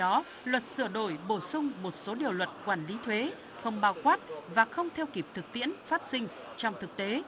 đó luật sửa đổi bổ sung một số điều luật quản lý thuế không bao quát và không theo kịp thực tiễn phát sinh trong thực tế